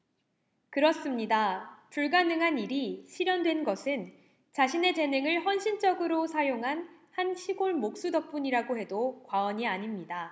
그렇습니다 불가능한 일이 실현된 것은 자신의 재능을 헌신적으로 사용한 한 시골 목수 덕분이라고 해도 과언이 아닙니다